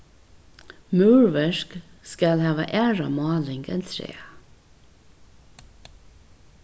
múrverk skal hava aðra máling enn træ